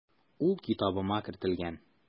Ул китабыма кертелгән.